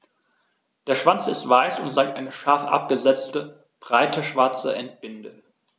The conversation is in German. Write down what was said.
Der Schwanz ist weiß und zeigt eine scharf abgesetzte, breite schwarze Endbinde.